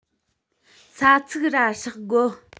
ས ཚིག ར སྲེག དགོ